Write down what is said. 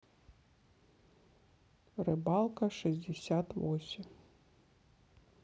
рыбалка шестьдесят восемь